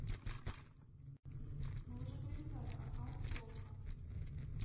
мы уже привязали аккаунт голко